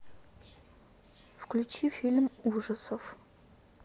включи фильм ужасов